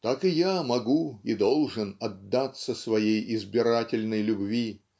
так и я могу и должен отдаться своей избирательной любви